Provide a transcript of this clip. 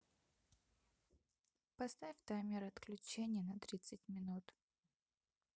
поставь таймер отключения на тридцать минут